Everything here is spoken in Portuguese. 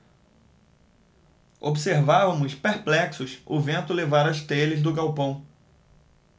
observávamos perplexos o vento levar as telhas do galpão